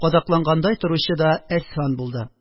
Кадаклангандай торучы да әсфан булды